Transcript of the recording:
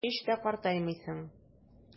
Һич тә картаймыйсың.